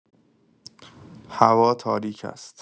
هوا تاریک است.